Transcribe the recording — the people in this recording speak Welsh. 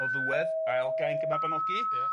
O ddiwedd ail gainc y Mabinogi. Ia.